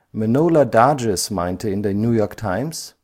Manohla Dargis meinte in der New York Times